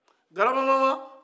galaba mama